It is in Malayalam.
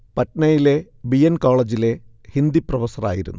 പട്നയിലെ ബി. എൻ കോളേജിലെ ഹിന്ദി പ്രൊഫസ്സറായിരുന്നു